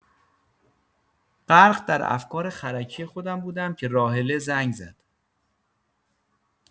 غرق در افکار خرکی خودم بودم که راحله زنگ زد.